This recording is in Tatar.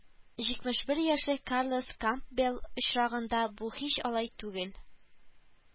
Җитмеш бер яшьлек карлос кампбелл очрагында бу һич алай түгел